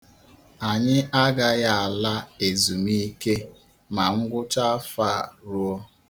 Anyị agaghị ala ezumike ma ngwụchaafọ a ruo.